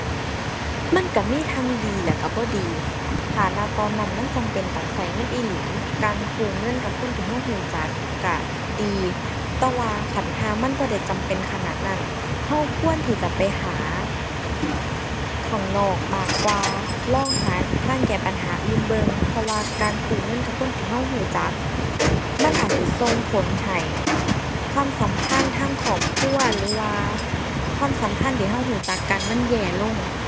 มันก็มีทั้งดีแล้วก็บ่ดี ถ้า ณ ตอนนั้นมันจำเป็นต้องก็เงินอีหลี การกู้เงินกับคนที่ก็ก็จักก็ดี แต่ว่าคันห่ามันบ่ได้จำเป็นขนาดนั้น ก็ควรที่จะไปหาข้างนอกมากกว่า ลองหาทางแก้ปัญหาอื่นเบิ่ง เพราะว่าการกู้เงินกับคนที่ก็ก็จักมันอาจสิส่งผลให้ความสัมพันธ์ทางครอบครัว หรือว่าความสัมพันธ์ที่ก็ก็จักกันมันแย่ลง